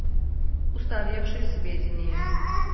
устаревшие сведения